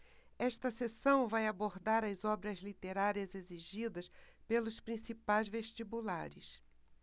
esta seção vai abordar as obras literárias exigidas pelos principais vestibulares